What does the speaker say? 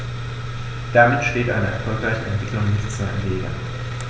Damit steht einer erfolgreichen Entwicklung nichts mehr im Wege.